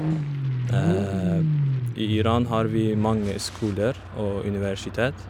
I Iran har vi mange skoler og universitet.